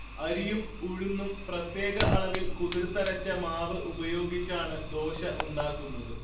അരിയും ഉഴുന്നും പ്രത്യേക അളവിൽ കുതിർത്തരച്ച മാവ് ഉപയോഗിച്ചാണ് ദോശ ഉണ്ടാക്കുന്നത്